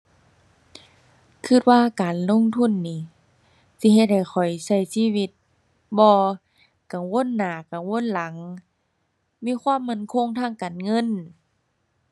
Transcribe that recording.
คิดว่าการลงทุนนี่สิเฮ็ดให้ข้อยคิดชีวิตบ่กังวลหน้า กังวลหลัง มีความมั่นคงทางการเงิน